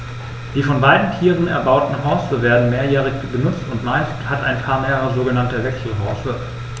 Die von beiden Tieren erbauten Horste werden mehrjährig benutzt, und meist hat ein Paar mehrere sogenannte Wechselhorste.